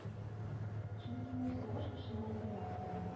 Чөнки ул сугыш эшеннән ерак тора